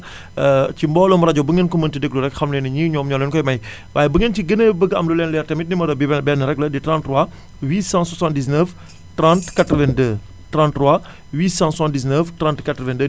ci mbooloom rajo bu ngeen ko mën ti déglu rekk xam leen ni ñii ñoom ñoo leen koy may bu ngeen ciy gënnee bëgg am lu leen leer tamit numéro bi benn rekk la di 33 879 30 82 33 879 30 82